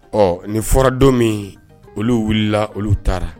Ɔ nin fɔra don miin olu wulila olu taara